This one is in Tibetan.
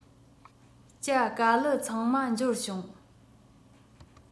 ཇ ག ལི ཚང མ འབྱོར བྱུང